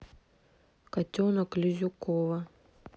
котенок лизюкова